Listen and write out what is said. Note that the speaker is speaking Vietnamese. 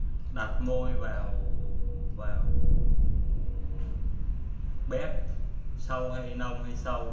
đặt môi vào bec như thế nào sâu hay nông